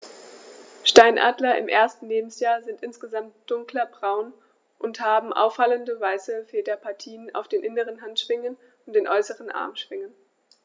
Steinadler im ersten Lebensjahr sind insgesamt dunkler braun und haben auffallende, weiße Federpartien auf den inneren Handschwingen und den äußeren Armschwingen.